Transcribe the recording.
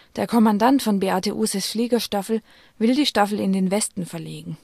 Der Kommandant von Beate Uhses Fliegerstaffel will die Staffel in den Westen verlegen